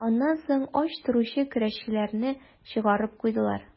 Аннан соң ач торучы көрәшчеләрне чыгарып куйдылар.